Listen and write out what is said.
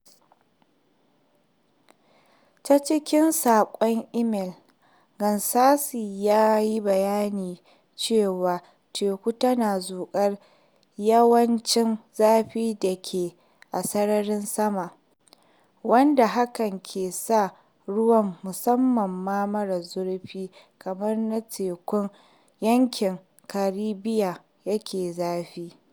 Ta cikin saƙon email, Ganase ya yi bayani cewa teku tana zuƙar yawancin zafin da yake a sararin sama, wanda hakan ke sa ruwa - musamman ma ruwa maras zurfi kamar na Tekun Yankin Karibiya - ya yi zafi.